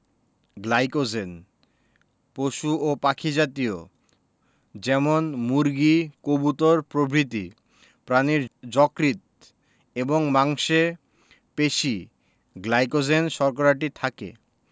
glycogen পশু ও পাখি জাতীয় যেমন মুরগি কবুতর প্রভৃতি প্রাণীর যকৃৎ এবং মাংসে পেশি গ্লাইকোজেন শর্করাটি থাকে